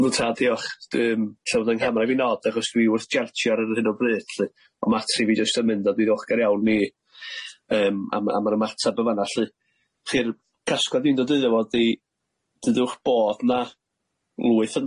Yndw tad dwi'n ta' diolch dwi'n t'od bod yn siarad fi'n od achos dwi wrth chargio ar yr hyn o bryd lly on' matri fi jyst yn mynd a dwi ddiolchgar iawn i yym am yr ymateb yn fan'a lly chi'r casgliad un o deuddo fo ydi dydwch bodd na lwyth yn